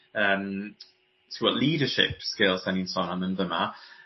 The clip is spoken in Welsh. yym t'wo' leaderships skills 'dan ni'n sôn am yn fy' 'ma.